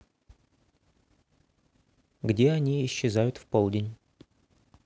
где они исчезают в полдень